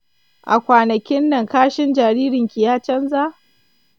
a kwanakinnan kashin jaririnki ya chanza?